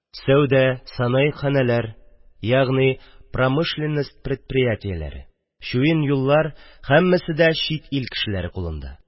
Сәүдә, санаигъ хәнәләр, ягъни промышленность предприятияләре, чуен юллар – һәммәсе дә чит ил кешеләре кулында.